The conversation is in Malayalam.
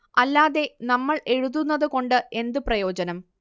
അല്ലാതെ നമ്മൾ എഴുതുന്നത് കൊണ്ട് എന്തു പ്രയോജനം